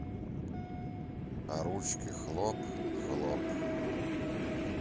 а ручки хлоп хлоп